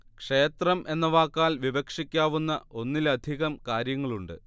ക്ഷേത്രം എന്ന വാക്കാൽ വിവക്ഷിക്കാവുന്ന ഒന്നിലധികം കാര്യങ്ങളുണ്ട്